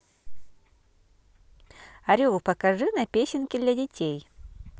орел покажи на песенки для детей